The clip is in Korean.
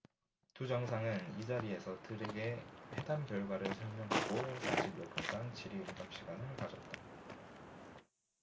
두 정상은 이 자리에서 들에게 회담 결과를 설명하고 사십 여분간 질의응답 시간을 가졌다